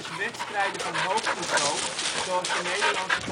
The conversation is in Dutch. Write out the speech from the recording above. wedstrijden van hoog niveau, zoals de Nederlandse